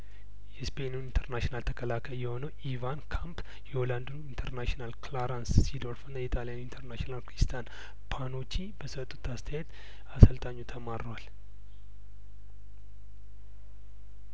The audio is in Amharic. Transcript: የስፔኑ ኢንተርናሽናል ተከላካይየሆነው ኢቫን ካምፕ የሆላንዱ ኢንተርናሽናል ክላረንስ ሲዶር ፍና የጣልያኑ ኢንተርናሽናል ክሪስቲያን ፓኑቺ በሰጡት አስተያየት አሰልጣኙ ተማሯል